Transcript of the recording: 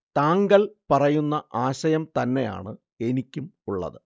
താങ്കള്‍ പറയുന്ന ആശയം തന്നെയാണ് എനിക്കും ഉള്ളത്